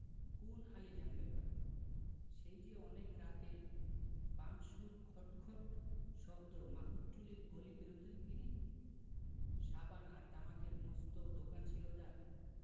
কোন আলীজান ব্যাপারী সেই যে অনেক রাতে পাম্পসুর খট খট শব্দ মাহুতটুলির গলি পেরুতেন তিনি সাবান আর তামাকের মস্ত দোকান ছিল যার